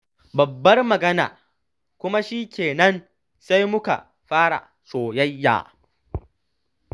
Babbar magana ‘kuma shi ke nan sai muka fara soyayya’